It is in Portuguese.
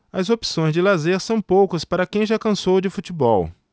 as opções de lazer são poucas para quem já cansou de futebol